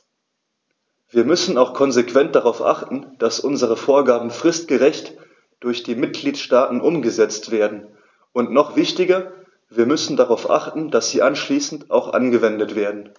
Wir müssen auch konsequent darauf achten, dass unsere Vorgaben fristgerecht durch die Mitgliedstaaten umgesetzt werden, und noch wichtiger, wir müssen darauf achten, dass sie anschließend auch angewendet werden.